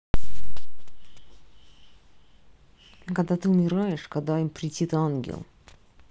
а когда ты умираешь когда им претит ангел